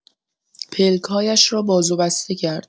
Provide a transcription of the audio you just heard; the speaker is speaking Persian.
پلک‌هایش را باز و بسته کرد.